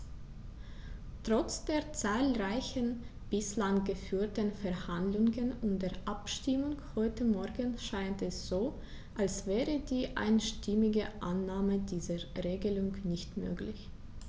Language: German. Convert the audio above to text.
Trotz der zahlreichen bislang geführten Verhandlungen und der Abstimmung heute Morgen scheint es so, als wäre die einstimmige Annahme dieser Regelung nicht möglich.